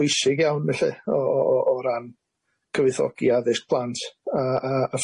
pwysig iawn felly o o o ran cyfoethogi addysg plant a a a